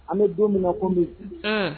An bɛ don min na komi bi, un